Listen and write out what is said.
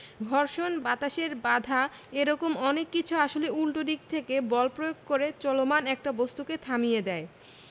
ঘর্ষণ বাতাসের বাধা এ রকম অনেক কিছু আসলে উল্টো দিক থেকে বল প্রয়োগ করে চলমান একটা বস্তুকে থামিয়ে দেয়